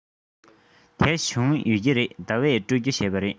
དེ བྱུང ཡོད ཀྱི རེད ཟླ བས སྤྲོད རྒྱུ བྱས པ རེད